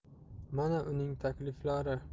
mana uning takliflari